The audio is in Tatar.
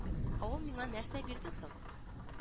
Ә ул миңа нәрсә бирде соң